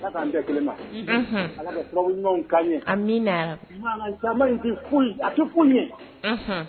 Bɛɛ kelen ma ala fula ɲɔgɔnw ka ɲɛ a min a tɛ nin ye